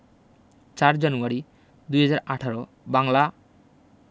০৪ জানুয়ারি ২০১৮ বাংলা